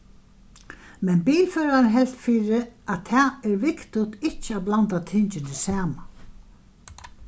men bilførarin helt fyri at tað er viktigt ikki at blanda tingini saman